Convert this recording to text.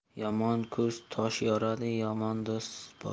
yomon ko'z tosh yoradi yomon do'st bosh